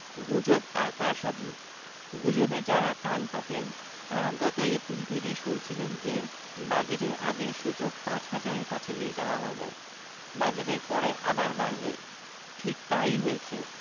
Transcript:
গুজব আর কারসাজি গুজবে যাঁরা কান পাতেন তাঁরা গত এপ্রিল থেকেই শুনছিলেন যে বাজেটের আগে সূচক ৫ হাজারের কাছে নিয়ে যাওয়া হবে বাজেটের পরে আবার বাড়বে ঠিক তা ই হয়েছে